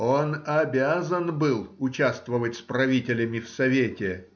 он обязан был участвовать с правителями в совете